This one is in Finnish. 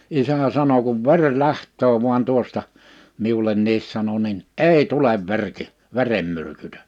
isä sanoi kun veri lähtee vain tuosta minullekin sanoi niin ei tule - verenmyrkytys